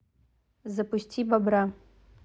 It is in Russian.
запусти бобра